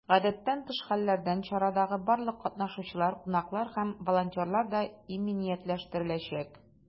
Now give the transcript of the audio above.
Гадәттән тыш хәлләрдән чарадагы барлык катнашучылар, кунаклар һәм волонтерлар да иминиятләштереләчәк.